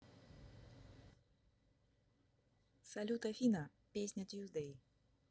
салют афина песня tuesday